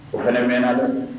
O fana mɛnna don